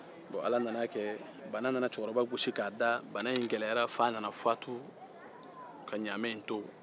bɔn ala nan'a kɛ bana nana cɛkɔrɔba gosi k'a da bana in gɛlɛyara f'a nana fatu ka ɲamɛ in to